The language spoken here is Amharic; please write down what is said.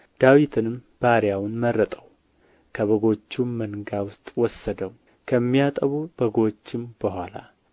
ዳዊትንም ባሪያውን መረጠው ከበጎቹም መንጋ ውስጥ ወሰደው ከሚያጠቡ በጎችም በኋላ